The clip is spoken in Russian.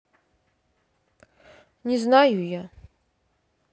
не знаю я